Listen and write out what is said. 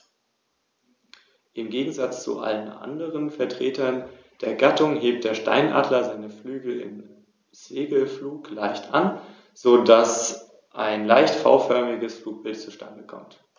Das „Land der offenen Fernen“, wie die Rhön auch genannt wird, soll als Lebensraum für Mensch und Natur erhalten werden.